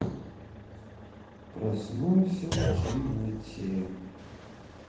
проснулся в темноте